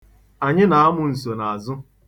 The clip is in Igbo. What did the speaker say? Anyị na-amụ nsonaazụ.